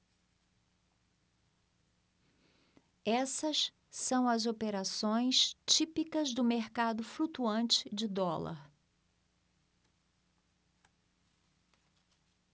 essas são as operações típicas do mercado flutuante de dólar